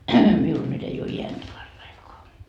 minulla nyt ei ole ääntä paraikaa